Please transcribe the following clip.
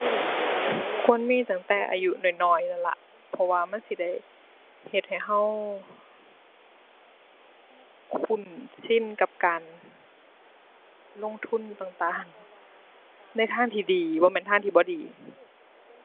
ควรมีตั้งแต่อายุน้อยน้อยนั่นล่ะ เพราะว่ามันสิได้เฮ็ดให้เรา คุ้นชินกับการลงทุนต่างต่างในทางที่ดี บ่แม่นทางที่บ่ดี